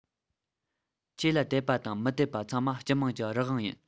ཆོས ལ དད པ དང མི དད པ ཚང མ སྤྱི དམངས ཀྱི རང དབང ཡིན